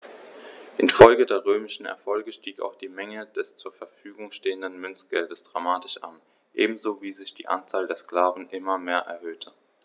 Infolge der römischen Erfolge stieg auch die Menge des zur Verfügung stehenden Münzgeldes dramatisch an, ebenso wie sich die Anzahl der Sklaven immer mehr erhöhte.